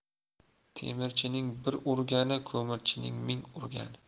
temirchining bir urgani ko'mirchining ming urgani